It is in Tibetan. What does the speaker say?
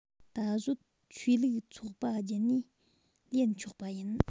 ད གཟོད ཆོས ལུགས ཚོགས པ བརྒྱུད ནས ལེན ཆོག པ ཡིན